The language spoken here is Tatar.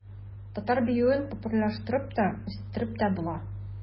Татар биюен популярлаштырып та, үстереп тә була.